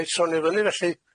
Reit sôn i fyny felly.